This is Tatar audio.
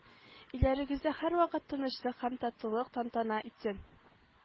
Өйләрегездә һәрвакыт тынычлык һәм татулык тантана итсен